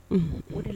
' de la